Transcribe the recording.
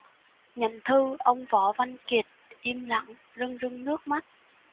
nhận thư ông võ văn kiệt im lặng rưng rưng nước mắt